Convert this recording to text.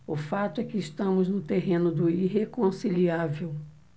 o fato é que estamos no terreno do irreconciliável